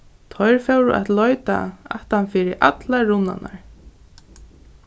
teir fóru at leita aftan fyri allar runnarnar